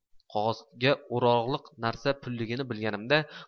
qog'ozga o'rog'lik narsa pulligini bilganimda